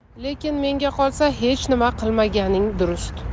lekin menga qolsa hech nima qilmaganing durust